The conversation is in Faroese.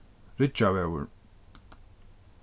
ryggjavegur